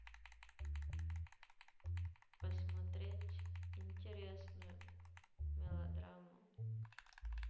посмотреть интересную мелодраму